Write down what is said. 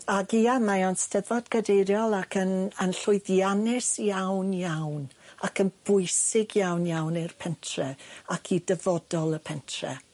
Ag ia mae o'n Steddfod gadeiriol ac yn yn llwyddiannus iawn iawn ac yn bwysig iawn iawn i'r pentre ac i dyfodol y pentre.